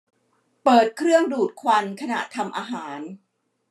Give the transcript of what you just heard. เปิดเครื่องดูดควันขณะทำอาหาร